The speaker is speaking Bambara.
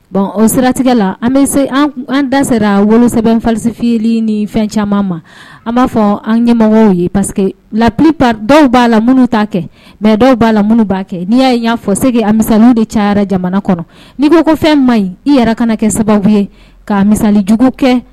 Bon o siratigɛ la an bɛ se an da sera wolo sɛbɛnfasifili ni fɛn caman ma an b'a fɔ an ɲɛmɔgɔ ye pa que lapp dɔw b'a la minnu t'a kɛ mɛ dɔw b'a la minnu b'a n'i ye y'a fɔ a mimisɛnninw de ca jamana kɔnɔ nii ko ko fɛn ma ɲi i yɛrɛ kana kɛ sababu ye ka milijugu kɛ